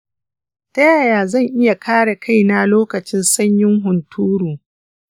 ta yaya zan iya kare kaina lokacin sanyin hunturu?